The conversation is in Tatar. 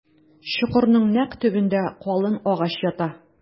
Чокырның нәкъ төбендә калын агач ята.